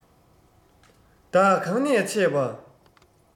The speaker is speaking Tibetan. བདག གང ནས ཆས པ